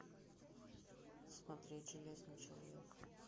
смотреть железный человек